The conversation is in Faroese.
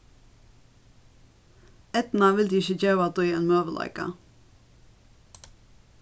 eydna vildi ikki geva tí ein møguleika